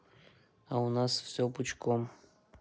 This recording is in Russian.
а у нас все пучком